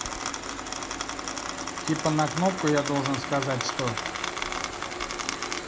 типа на кнопку я должен сказать что